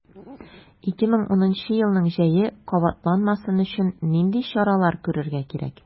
2010 елның җәе кабатланмасын өчен нинди чаралар күрергә кирәк?